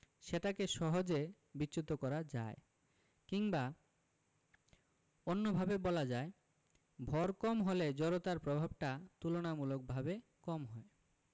সেটাকে সহজে বিচ্যুত করা যায় কিংবা অন্যভাবে বলা যায় ভর কম হলে জড়তার প্রভাবটা তুলনামূলকভাবে কম হয়